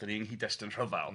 Dan ni'n nghydestyn rhyfel.